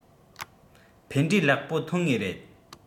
ཕན འབྲས ལེགས པོ ཐོན ངེས རེད